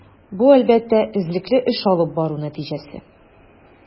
Бу, әлбәттә, эзлекле эш алып бару нәтиҗәсе.